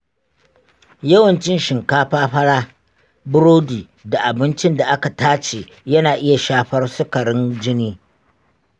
yawan cin shinkafa fara, burodi, da abincin da aka tace yana iya shafar sukarin jini.